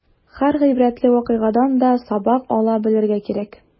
Һәр гыйбрәтле вакыйгадан да сабак ала белергә кирәк.